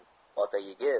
ota yigig